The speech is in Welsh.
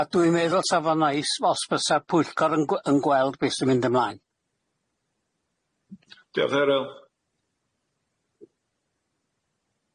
A a dwi'n meddwl sa fo'n neis os fysa Pwyllgor yn gw- yn gweld be' sy'n mynd ymlaen. Dioch Eryl.